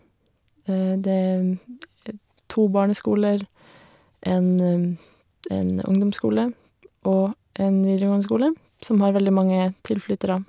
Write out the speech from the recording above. Det er to barneskoler, en en ungdomsskole, og en videregående skole, som har veldig mange tilflyttere.